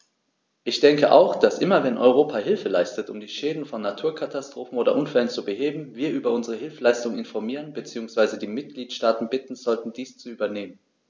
Ich denke auch, dass immer wenn Europa Hilfe leistet, um die Schäden von Naturkatastrophen oder Unfällen zu beheben, wir über unsere Hilfsleistungen informieren bzw. die Mitgliedstaaten bitten sollten, dies zu übernehmen.